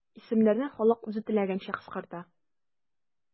Исемнәрне халык үзе теләгәнчә кыскарта.